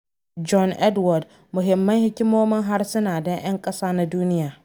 John Edward: Muhimman hikimomin harsuna don ‘yan kasa na duniya